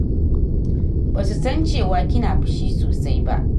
Ba su san cewa kina fushi sosai ba.